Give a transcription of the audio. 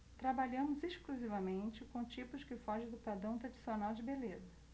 trabalhamos exclusivamente com tipos que fogem do padrão tradicional de beleza